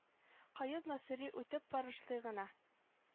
Каюм насыйри үтеп барышлый гына